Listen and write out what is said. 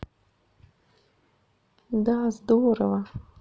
да здорово